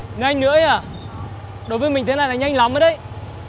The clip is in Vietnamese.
nhanh nữa ấy hả đối với mình thế này là nhanh lắm rồi đấy